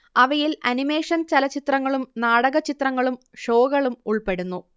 അവയിൽ അനിമേഷൻ ചലചിത്രങ്ങളും നാടക ചിത്രങ്ങളും ഷോകളും ഉൾപ്പെടുന്നു